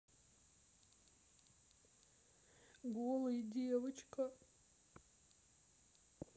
голый девочка